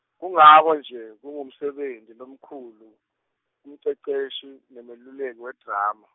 Kungako-nje, kungumsebenti lomkhulu, kumceceshi, nemeluleki wedrama.